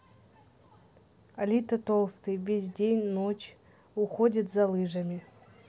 алита толстые без день ночь уходит за лыжами